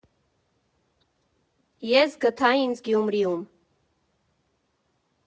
Ես գտա ինձ Գյումրիում։